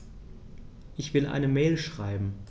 Ich will eine Mail schreiben.